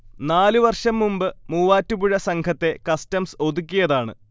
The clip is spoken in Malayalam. നാലു വർഷം മുമ്പ് മൂവാറ്റുപുഴ സംഘത്തെ കസ്റ്റംസ് ഒതുക്കിയതാണ്